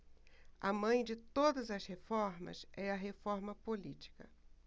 a mãe de todas as reformas é a reforma política